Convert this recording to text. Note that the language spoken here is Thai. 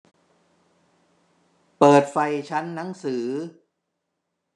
เปิดไฟชั้นหนังสือ